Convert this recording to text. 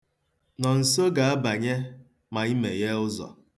Nonso ga-abanye ma i meghee ụzọ.